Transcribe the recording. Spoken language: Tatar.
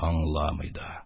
Аңламый да.